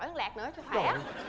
liên lạc nữa cho khỏe